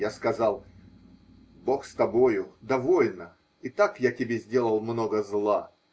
Я сказал: -- Бог с тобою, довольно, и так я тебе сделал много зла.